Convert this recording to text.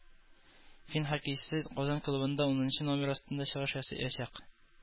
Фин хоккейчысы Казан клубында унынчы номер астында чыгыш ясаячак